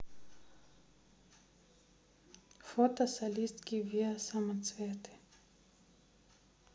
фото солистки виа самоцветы